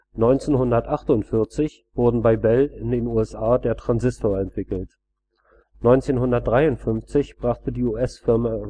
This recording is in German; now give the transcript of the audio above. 1948 wurde bei Bell in den USA der Transistor entwickelt. 1953 brachte die US-Firma